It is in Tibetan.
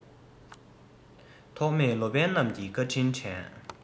ཐོགས མེད ལོ པཎ རྣམས ཀྱི བཀའ དྲིན དྲན